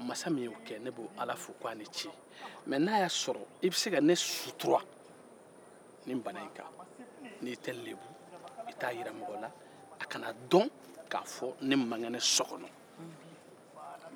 masa min y'o kɛ ne b'o ala fo k'a ni ce mɛ n'a y'a sɔrɔ i bɛ se ka ne sutura nin bana kan n'i tɛ n lebu a kana dɔn k'a fɔ ne man kɛnɛ so kɔnɔ